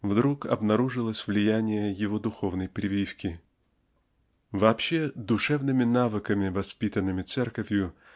вдруг обнаруживалось влияние его духовной прививки. Вообще духовными навыками воспитанными Церковью